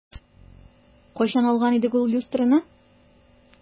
Кайчан алган идек ул люстраны?